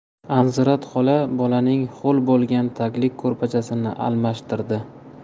anzirat xola bolaning ho'l bo'lgan taglik ko'rpachasini almashtirdi